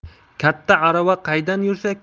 katta arava qaydan yursa